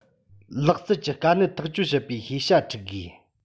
ལག རྩལ གྱི དཀའ གནད ཐག གཅོད བྱེད པའི ཤེས བྱ འཁྲིད དགོས